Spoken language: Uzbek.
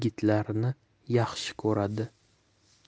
yigitlarni yaxshi ko'radi